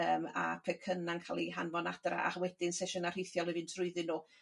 yym a pecynna'n ca'l 'u hanfon adra ac wedyn sesiyna rhithiol i fynd trwyddyn nhw.